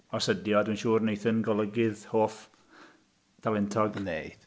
Os ydy o, dwi'n siŵr wneith ein golygydd hoff dalentog... Wneith.